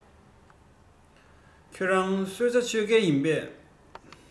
ཁྱོར རང གསོལ ཇ མཆོད ཀས ཡིན པས